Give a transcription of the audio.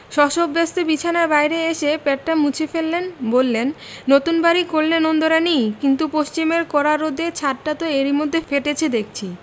শশব্যস্তে বিছানার বাইরে এসে পেটটা মুছে ফেললেন বললেন নতুন বাড়ি করলে নন্দরানী কিন্তু পশ্চিমের কড়া রোদে ছাতটা এর মধ্যেই ফেটেচে দেখচি